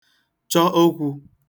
chọ okwū